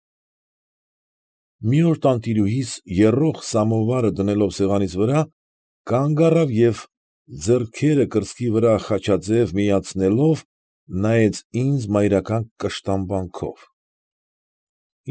Մի օր տանտիրուհիս, եռող սամովարը դնելով սեղանիս վրա. կանգ առավ և, ձեռքերը կրծքի վրա խաչաձև միացնելով, նայեց ինձ մայրական կշտամբանքով։ ֊